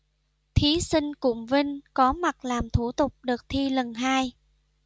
thí sinh cụm vinh có mặt làm thủ tục đợt thi lần hai